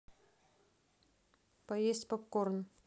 поесть попкорн